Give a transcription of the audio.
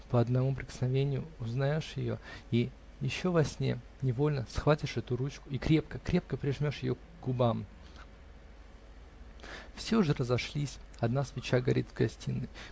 по одному прикосновению узнаешь ее и еще во сне невольно схватишь эту руку и крепко, крепко прижмешь ее к губам. Все уже разошлись одна свеча горит в гостиной